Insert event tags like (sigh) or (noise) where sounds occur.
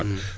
(hesitation)